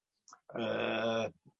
yy